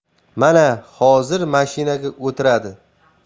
mana hozir mashinaga o'tiradi